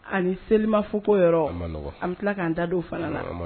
Ani selimafoko an bɛ tila k'an da fana na